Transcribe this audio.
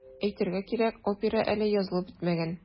Әйтергә кирәк, опера әле язылып бетмәгән.